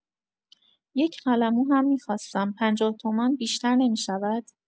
یک قلمو هم می‌خواستم، پنجاه تومان بیشتر نمی‌شود؟